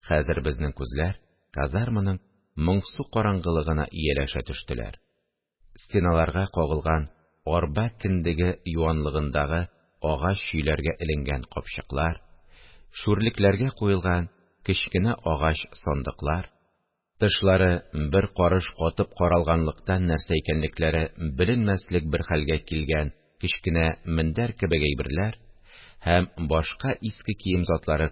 Хәзер безнең күзләр казарманың моңсу караңгылыгына ияләшә төштеләр: стеналарга кагылган арба кендеге юанлыгындагы агач чөйләргә эленгән капчыклар, шүрлекләргә куелган кечкенә агач сандыклар, тышлары бер карыш катып каралганлыктан нәрсә икәнлекләре беленмәслек бер хәлгә киленгән кечкенә мендәр кебек әйберләр һәм башка иске кием затлары